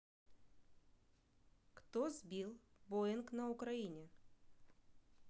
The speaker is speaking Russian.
кто сбил боинг на украине